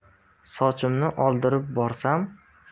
sochimni oldirib borsam